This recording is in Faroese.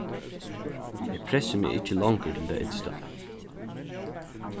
eg pressi meg ikki longur til tað ytsta